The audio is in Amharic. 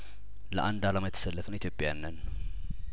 ለአንድ አላማ የተሰለፍን ኢትዮጵያዊያን ነን